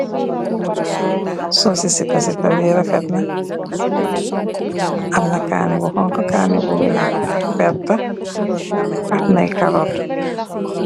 Soosi ci sipasipa bi refetna, amna kaani bu xonxo, kaani bu werta amna ay karot